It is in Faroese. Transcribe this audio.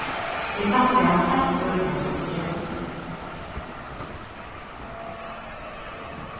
eg sakni hann heilt øgiliga nógv í gerandisdegnum